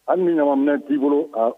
Hali ni ɲamanminɛn t'i bolo ka